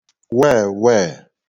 weèweè